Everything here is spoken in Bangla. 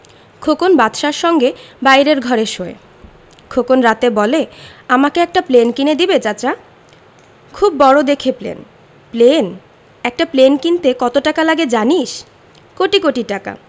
খোকন বাদশার সঙ্গে বাইরের ঘরে শোয় খোকন রাতে বলে আমাকে একটা প্লেন কিনে দিবে চাচা খুব বড় দেখে প্লেন প্লেন একটা প্লেন কিনতে কত টাকা লাগে জানিস কোটি কোটি টাকা